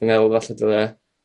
fi'n meddwl falle dylie